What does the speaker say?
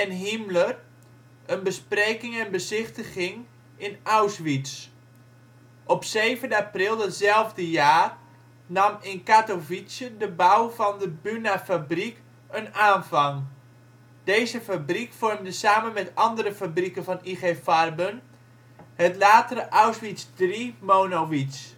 Himmler een bespreking en bezichtiging in Auschwitz. Op 7 april datzelfde jaar nam in Katowice de bouw van de Bunafabriek een aanvang. Deze fabriek vormde samen met andere fabrieken van IG Farben het latere Auschwitz III-Monowitz